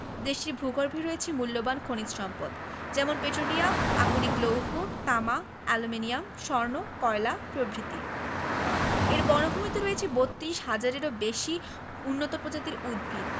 দেশটির ভূগর্ভে রয়েছে মুল্যবান খনিজ সম্পদ যেমন পেট্রোলিয়াম আকরিক লৌহ তামা অ্যালুমিনিয়াম স্বর্ণ কয়লা প্রভৃতি এর বনভূমিতে রয়েছে ৩২ হাজারেরও বেশি উন্নত প্রজাতির উদ্ভিত